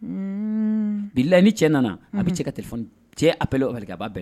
Bi la ni cɛ nana a bɛ se ka cɛ a bɛɛɛrɛ ba